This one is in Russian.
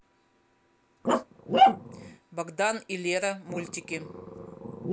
богдан и лера мультики